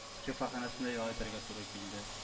Шифаханәсендә ял итәргә туры килде